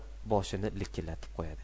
boshini likillatib qo'yadi